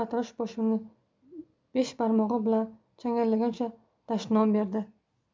sartarosh boshimni besh barmog'i bilan changallagancha dashnom berdi